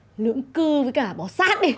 lướng cư với cả bò sát đi